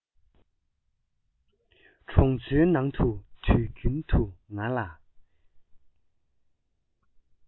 གྲོང ཚོའི ནང དུ དུས རྒྱུན དུ ང ལ